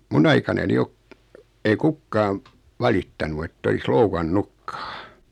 minun aikanani ole ei kukaan valittanut että olisi loukannutkaan